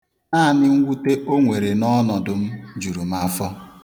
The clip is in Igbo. Naanị mwute o nwere n'ọnọdọ m juru m afọ.